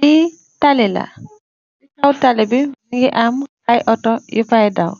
Li tali la si kaw talibi mungi am aye autor yufy daw